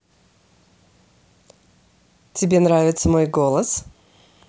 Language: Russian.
тебе нравится мой голос